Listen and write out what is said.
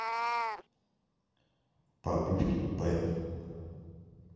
попивки п